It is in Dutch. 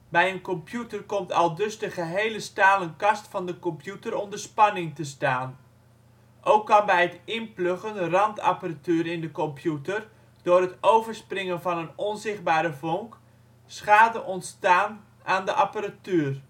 Bij een computer komt aldus de gehele stalen kast van de computer onder spanning te staan. Ook kan bij het inpluggen randapparatuur in de computer door het overspringen van een (onzichtbare) vonk schade ontstaan aan de apparatuur